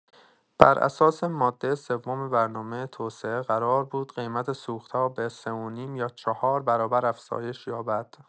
بر اساس ماده سوم برنامه توسعه قرار بود قیمت سوخت‌ها به سه و نیم یا چهار برابر افزایش یابد.